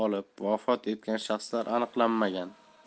olib vafot etgan shaxslar aniqlanmagan